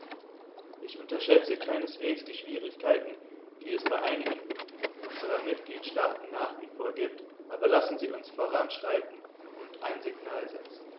Ich unterschätze keineswegs die Schwierigkeiten, die es bei einigen unserer Mitgliedstaaten nach wie vor gibt, aber lassen Sie uns voranschreiten und ein Signal setzen.